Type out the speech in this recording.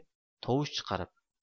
tovush chiqarib